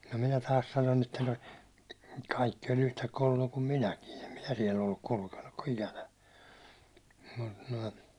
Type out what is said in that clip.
no minä taas sanon että no kaikki oli unta kolloja kuin minäkin en minä siellä ollut kulkenut - ikänä mutta noin